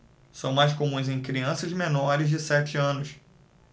são mais comuns em crianças menores de sete anos